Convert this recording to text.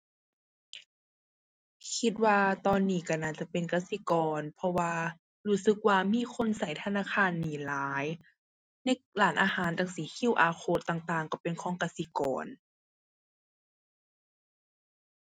คิดว่าตอนนี้ก็น่าจะเป็นกสิกร เพราะว่ารู้สึกว่ามีคนก็ธนาคารนี้หลาย ในร้านอาหารจั่งซี้ QR code ต่างต่างก็เป็นของกสิกร